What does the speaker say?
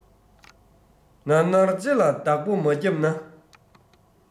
ནར ནར ལྕེ ལ བདག པོ མ བརྒྱབ ན